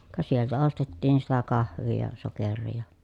ka sieltä ostettiin sitä kahvia ja sokeria ja